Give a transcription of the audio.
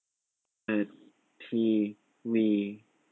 เปิดทีวี